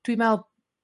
dwi me'wl